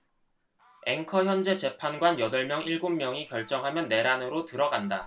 앵커 헌재 재판관 여덟 명 일곱 명이 결정하면 내란으로 들어간다